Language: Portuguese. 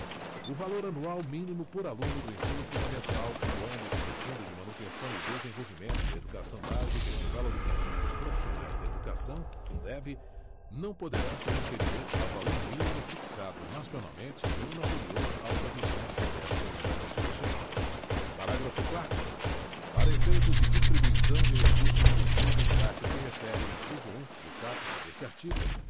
o valor anual mínimo por aluno do ensino fundamental no âmbito do fundo de manutenção e desenvolvimento da educação básica e de valorização dos profissionais da educação fundeb não poderá ser inferior ao valor mínimo fixado nacionalmente no ano anterior ao da vigência desta emenda constitucional parágrafo quarto para efeito de distribuição de recursos dos fundos a que se refere o inciso um do caput deste artigo